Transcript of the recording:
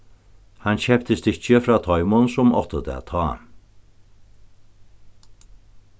hann keypti stykkið frá teimum sum áttu tað tá